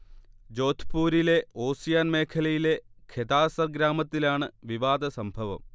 ജോധ്പുരിലെ ഓസിയാൻ മേഖലയിലെ ഖെതാസർ ഗ്രാമത്തിലാണ് വിവാദസംഭവം